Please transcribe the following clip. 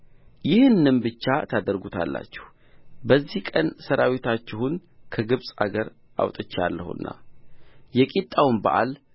ይህንም ብቻ ታደርጉታላችሁ በዚህም ቀን ሠራዊታችሁን ከግብፅ አገር አውጥቼአለሁና የቂጣውንም በዓል